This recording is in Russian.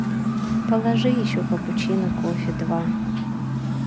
положи еще капучино кофе два